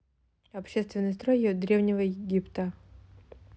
общественный строй древнего египта